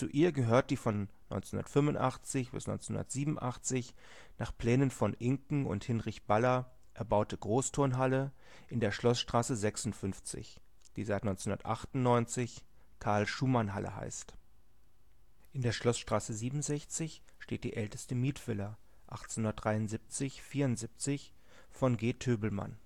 ihr gehört die von 1985 bis 1987 nach Plänen von Inken und Hinrich Baller erbaute Großturnhalle in der Schloßstraße 56, die seit 1998 Carl-Schuhmann-Halle heißt. In der Schloßstraße 67 steht die älteste Mietvilla (1873 / 74 von G. Töbelmann